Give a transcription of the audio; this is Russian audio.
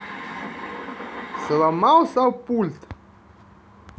сломался пульт